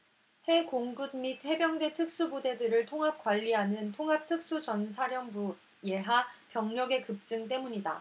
해 공군및 해병대 특수부대들을 통합 관리하는 통합특수전사령부 예하 병력의 급증 때문이다